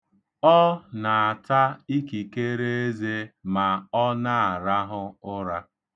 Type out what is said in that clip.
Ọ na-ata ikikereeze ma ọ na-rahụ ụra.